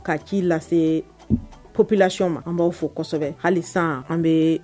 Ka cii lase pplasiɔn ma an b'aw fɔ kosɛbɛ hali sisan an bɛ